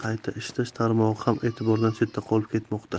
ham e'tibordan chetda qolib kelmoqda